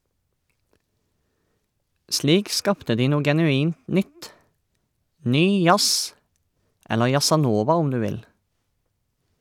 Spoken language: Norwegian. Slik skapte de noe genuint nytt - ny jazz, eller jazzanova, om du vil.